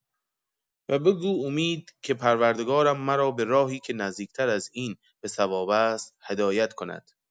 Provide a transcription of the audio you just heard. و بگو امید که پروردگارم مرا به راهی که نزدیک‌تر از این به صواب است، هدایت کند.